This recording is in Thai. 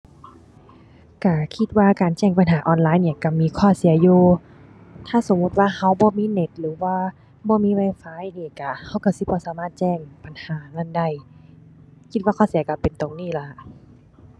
ก็คิดว่าการแจ้งปัญหาออนไลน์เนี่ยก็มีข้อเสียอยู่ ถ้าสมมุติว่าก็บ่มีเน็ตหรือว่าบ่มี wi-fi นี่ก็ ก็ก็สิบ่สามารถแจ้งปัญหานั้นได้ คิดว่าข้อเสียก็เป็นตรงนี้ล่ะ